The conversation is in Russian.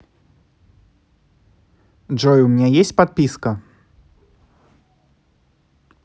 джой у меня есть подписка